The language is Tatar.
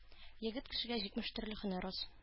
Егет кешегә җитмеш төрле һөнәр аз.